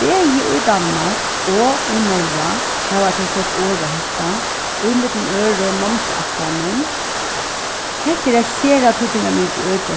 bæði í danmark og í norra hava tey sett orð á hetta í millum øðrum námsætlanum hetta er eitt sera týdningarmikið øki at